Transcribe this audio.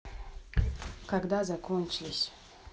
когда закончились